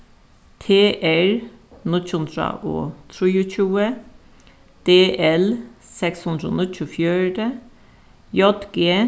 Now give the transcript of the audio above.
t r níggju hundrað og trýogtjúgu d l seks hundrað og níggjuogfjøruti j g